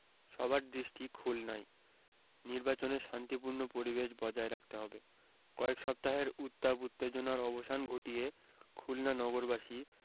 সবার দৃষ্টি খুলনায় নির্বাচনে শান্তিপূর্ণ পরিবেশ বজায় রাখতে হবে কয়েক সপ্তাহের উত্তাপ উত্তেজনার অবসান ঘটিয়ে খুলনা নগরবাসী